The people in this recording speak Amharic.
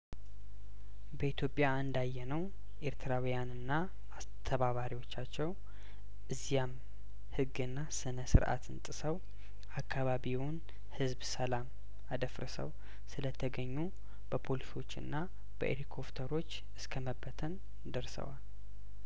በኢትዮጵያ እንዳ የነው ኤርትራውያኑና አስተባባሪዎቻቸው እዚያም ህግና ስነ ስርአትን ጥሰው አካባቢውን ህዝብ ሰላም አደፍ ርሰው ስለተገኙ በፖሊሶችና በሄሊኮፕተሮች እስከመበተን ደርሰዋል